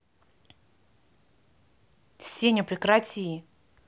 сеня прекрати